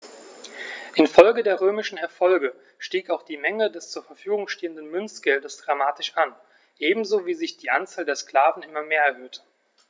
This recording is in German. Infolge der römischen Erfolge stieg auch die Menge des zur Verfügung stehenden Münzgeldes dramatisch an, ebenso wie sich die Anzahl der Sklaven immer mehr erhöhte.